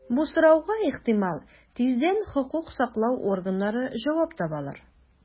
Бу сорауга, ихтимал, тиздән хокук саклау органнары җавап таба алыр.